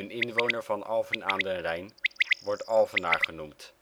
inwoner van Alphen aan den Rijn wordt Alphenaar genoemd